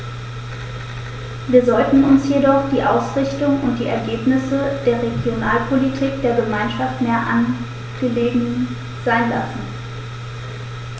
Wir sollten uns jedoch die Ausrichtung und die Ergebnisse der Regionalpolitik der Gemeinschaft mehr angelegen sein lassen.